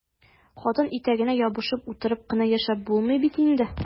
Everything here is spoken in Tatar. Хатын итәгенә ябышып утырып кына яшәп булмый бит инде!